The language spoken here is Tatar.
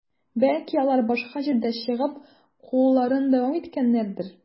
Бәлки, алар башка җирдә чыгып, кууларын дәвам иткәннәрдер?